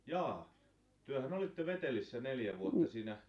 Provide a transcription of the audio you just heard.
jaa tehän olitte Vetelissä neljä vuotta siinä